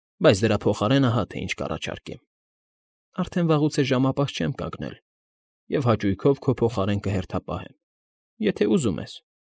Բայց դրա փոխարեն ահա թե ինչ կառաջարկեմ. արդեն վաղուց է ժամապահ չեմ կանգնել և հաճույքով քո փոխարեն կհերթապահեմ, եթե ուզում ես։